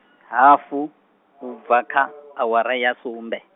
hafu, u bva kha, awara ya sumbe.